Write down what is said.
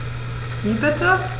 Wie bitte?